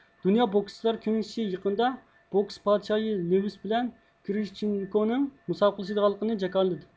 دۇنيا بوكىسچىلار كېڭىشى يېقىندا بوكس پادىشاھى لېۋېس بىلەن كىرىژچېنكونىڭ مۇسابىقىلىشىدىغانلىقىنى جاكارلىدى